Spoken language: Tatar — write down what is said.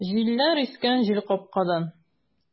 Җилләр искән җилкапкадан!